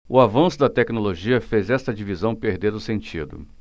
o avanço da tecnologia fez esta divisão perder o sentido